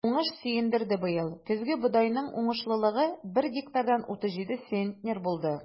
Уңыш сөендерде быел: көзге бодайның уңышлылыгы бер гектардан 37 центнер булды.